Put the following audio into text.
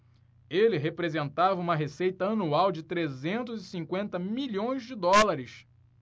ele representava uma receita anual de trezentos e cinquenta milhões de dólares